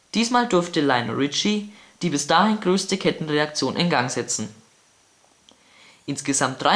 Diesmal durfte Lionel Richie die bis dahin größte Kettenreaktion in Gang setzen. Insgesamt